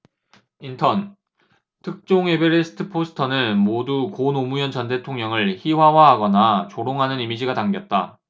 인턴 특종 에베레스트 포스터는 모두 고 노무현 전 대통령을 희화화하거나 조롱하는 이미지가 담겼다